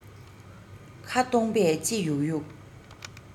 ཁ སྟོང པས ལྕེ ཡུག ཡུག